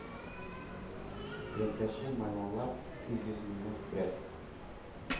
Элемтәче маэмайлар ике йөз меңнән күбрәк